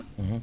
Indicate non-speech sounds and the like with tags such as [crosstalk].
[hesitation] [hesitation]